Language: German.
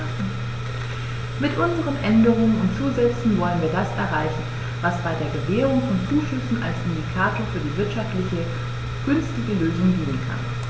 Mit unseren Änderungen und Zusätzen wollen wir das erreichen, was bei der Gewährung von Zuschüssen als Indikator für die wirtschaftlich günstigste Lösung dienen kann.